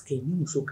Pa i muso ka